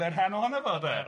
Ma'n rhan ohono fo, 'de.